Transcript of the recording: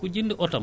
du ngeen ma gis